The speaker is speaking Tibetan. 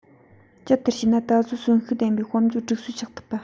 ཇི ལྟར བྱས ན ད གཟོད གསོན ཤུགས ལྡན པའི དཔལ འབྱོར སྒྲིག སྲོལ ཆགས ཐུབ པ